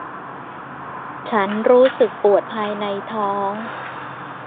ฉันรู้สึกปวดภายในท้อง